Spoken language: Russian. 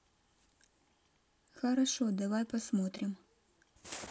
хорошо давай посмотрим